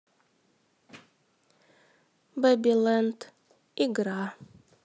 бэбилэнд игра